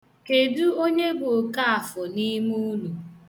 Kedu onye bụ Okaafọ n' ime unu?